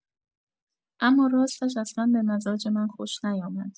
اما راستش اصلا به مزاج من خوش نیامد.